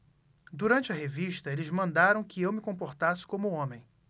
durante a revista eles mandaram que eu me comportasse como homem